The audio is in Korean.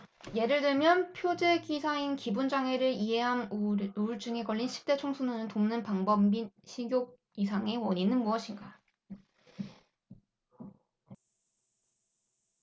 예를 들면 표제 기사인 기분 장애를 이해함 우울증에 걸린 십대 청소년을 돕는 방법 및 식욕 이상의 원인은 무엇인가